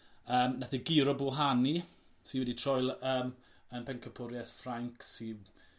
yym nath e guro Bouhanni sy wedi troi ly- yym yn pencampwrieth Ffrainc sy